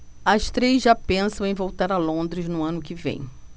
as três já pensam em voltar a londres no ano que vem